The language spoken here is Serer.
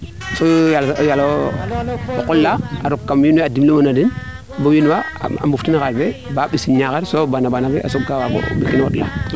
so yaal o qol la a rok kam wiin we a dimle a den bo wiin wa a mbuf tin xaal fee a ɓisin Niakhar so baana baana fee a soog ka waago ɓis auto la